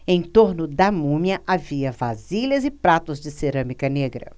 em torno da múmia havia vasilhas e pratos de cerâmica negra